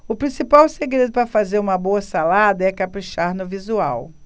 o principal segredo para fazer uma boa salada é caprichar no visual